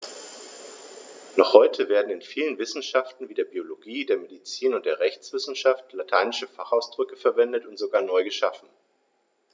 Noch heute werden in vielen Wissenschaften wie der Biologie, der Medizin und der Rechtswissenschaft lateinische Fachausdrücke verwendet und sogar neu geschaffen.